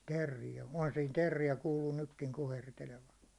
teeriä onhan siinä teeriä kuuluu nytkin kuhertelevan